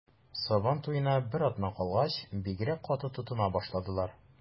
Сабан туена бер атна калгач, бигрәк каты тотына башладылар.